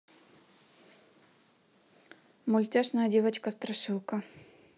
мультяшная девочка страшилка